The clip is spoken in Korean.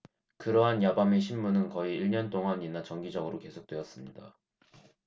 그러한 야밤의 심문은 거의 일년 동안이나 정기적으로 계속되었습니다